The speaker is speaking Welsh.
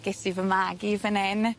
Ges i fy magu fan 'yn.